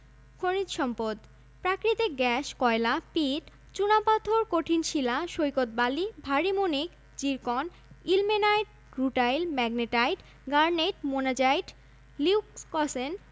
খনিজ সম্পদঃ প্রাকৃতিক গ্যাস কয়লা পিট চুনাপাথর কঠিন শিলা সৈকত বালি ভারি মণিক zircon ilmenite rutile magnetite garnet monazite leucoxene